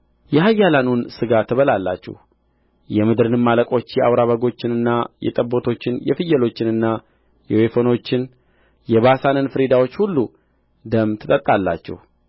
የኃያላኑን ሥጋ ትበላላችሁ የምድርንም አለቆች የአውራ በጎችንና የጠቦቶችን የፍየሎችንና የወይፈኖችን የባሳንን ፍሪዳዎች ሁሉ ደም ትጠጣላችሁ